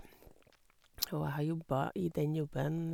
Og jeg har jobba i den jobben...